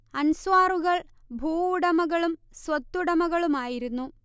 അൻസ്വാറുകൾ ഭൂവുടമകളും സ്വത്തുടമകളുമായിരുന്നു